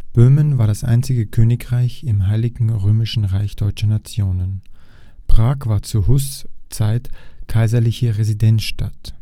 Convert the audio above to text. Böhmen war das einzige Königreich im Heiligen Römischen Reich Deutscher Nation. Prag war zu Hus ‘Zeit kaiserliche Residenzstadt